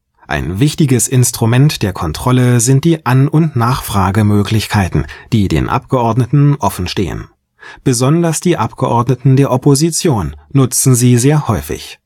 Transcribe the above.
Ein wichtiges Instrument der Kontrolle sind die An - und Nachfragemöglichkeiten, die den Abgeordneten offen stehen. Besonders die Abgeordneten der Opposition nutzen sie sehr häufig